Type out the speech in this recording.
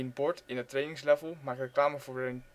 bord in het trainingslevel maakt reclame voor een